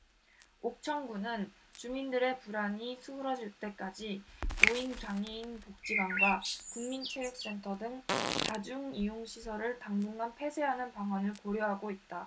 옥천군은 주민들의 불안이 수그러들 때까지 노인장애인복지관과 국민체육센터 체육센터 등 다중 이용시설을 당분간 폐쇄하는 방안을 고려하고 있다